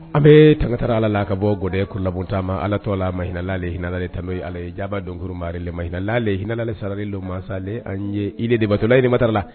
An bɛ tanta ala la ka bɔ goɛ ko labontama ala tɔ la ma hinɛinalali hinɛinali tama ale jaba donkurumaaɛlɛ malaleinalali sarali don masa an debatomatala